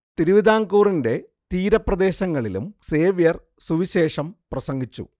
തിരുവിതാംകൂറിന്റെ തീരപ്രദേശങ്ങളിലും സേവ്യർ സുവിശേഷം പ്രസംഗിച്ചു